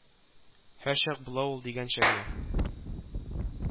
Һәр чак була ул дигәнчә генә